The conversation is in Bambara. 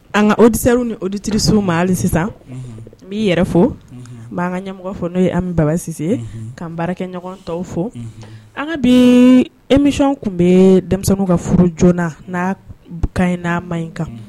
An ka auditeur ni auditrice ma hali sisan nb'i yɛrɛ fo nb'an ka ɲɛmɔgɔ fɔ n'o Ami Baba Sise k'an baarakɛ ɲɔgɔn tɔw fo an ka bi émission tun bɛ denmisɛnw ka furu joona n'a kaɲi n'a man ɲi kan